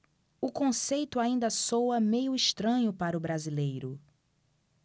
o conceito ainda soa meio estranho para o brasileiro